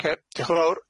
Ocê dioch yn fowr.